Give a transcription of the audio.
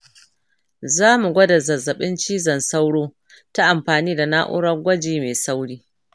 za mu gwada zazzabin cizon sauro ta amfani da na'urar gwaji mai sauri.